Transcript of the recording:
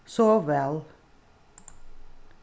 sov væl